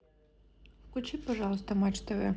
включи пожалуйста матч тв